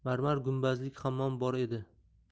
to'rida marmar gumbazlik hammom bor edi